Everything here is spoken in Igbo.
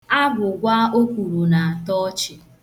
Agwụgwa o kwuru na-atọ ọchị.